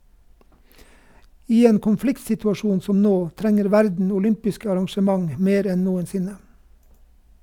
I en konfliktsituasjon som nå trenger verden olympiske arrangement mer enn noensinne.